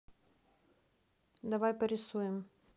давай порисуем